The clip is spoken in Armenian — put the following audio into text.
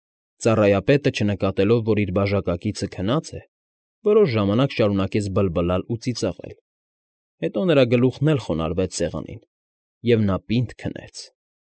Ծառայողապետը, չնկտելով, որ իր բաժակակիցը քնած է, որոշ ժամանակ շարուանկեց բլբլալ ու ծիծաղել, հետո նրա գլուխն էլ խոնարհվեց սեղանին, և նա պինդ քնեց։